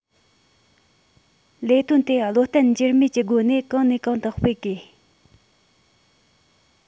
ལས དོན དེ བློ བརྟན འགྱུར མེད ཀྱི སྒོ ནས གོང ནས གོང དུ སྤེལ དགོས